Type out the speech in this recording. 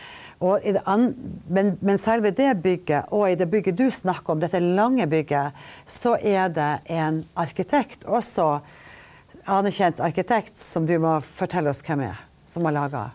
og i det men men selve det bygget og i det bygget du snakker om, dette lange bygget, så er det en arkitekt også anerkjent arkitekt som du må fortelle oss hvem er som har laga.